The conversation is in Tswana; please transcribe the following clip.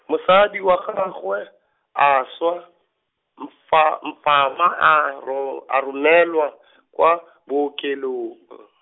mosadi wa gagwe, a swa, mfa- mfama, a ro-, a romelwa , kwa, bookelong .